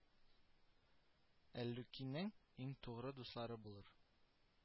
Әллүки нең иң тугры дуслары булыр